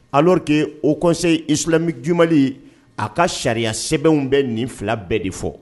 A'oke o kɔnse ifimi j a ka sariya sɛbɛnbɛnw bɛ nin fila bɛɛ de fɔ